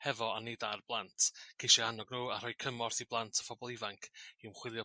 hefo a nid ar blant, ceisio annog n'w â rhoi cymorth i blant a phobol ifanc i ymchwilio